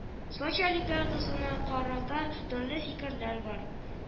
Сочи олимпиадасына карата төрле фикерләр бар